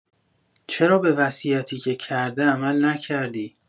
چرا به وصیتی که کرده عمل نکردی؟